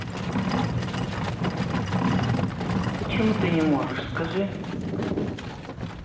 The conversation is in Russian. почему ты не можешь скажи